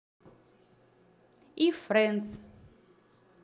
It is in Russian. и friends